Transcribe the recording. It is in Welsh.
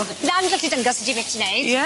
Nan gallu dyngos i ti be' ti neud. Ie?